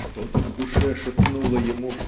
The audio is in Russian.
"что-то в душе шепнуло ему